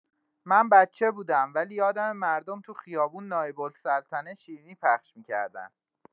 من بچه بودم، ولی یادمه مردم تو خیابون نایب‌السلطنه شیرینی پخش می‌کردن.